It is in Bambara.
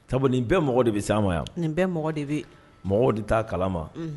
Ta bɛɛ mɔgɔ de bɛ sa ma yan nin bɛɛ mɔgɔ de bɛ mɔgɔ de taa kala ma